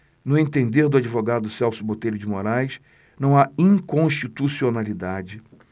no entender do advogado celso botelho de moraes não há inconstitucionalidade